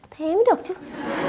thế mới được chứ